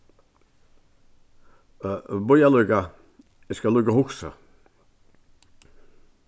øh bíða líka eg skal líka hugsa